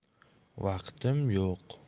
vaqtim yo'q